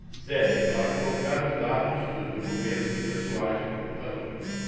serve para colocar os dados dos documentos pessoais do portador